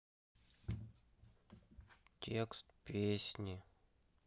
текст песни